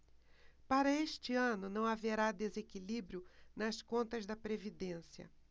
para este ano não haverá desequilíbrio nas contas da previdência